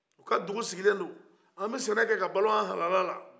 u ka dugu sigilen don an bɛ sɛnɛkɛ ka balo an halala la